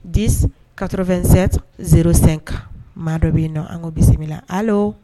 10 87 05 maa dɔ bɛ yen nɔn an ko bisimila